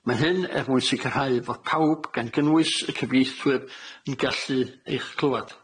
Ma' hyn er mwyn sicrhau fod pawb gan gynnwys y cyfieithwyr yn gallu eich clywad.